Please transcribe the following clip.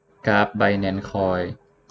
กราฟไบแนนซ์คอย